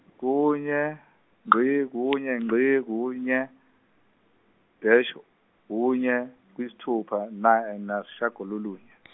kunye ngqi kunye ngqi kunye dash kunye kuyisithupa na- nasishhagololunye .